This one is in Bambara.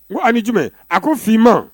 N ko ani jumɛn, a ko finman